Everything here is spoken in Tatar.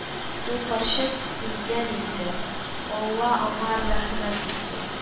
Ул карчык үлгән инде; алла аңар рәхмәт итсен